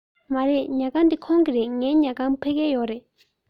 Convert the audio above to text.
མ རེད ཉལ ཁང འདི ཁོང གི རེད ངའི ཉལ ཁང ཕ གི རེད